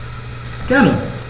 Gerne.